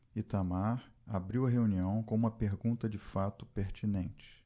itamar abriu a reunião com uma pergunta de fato pertinente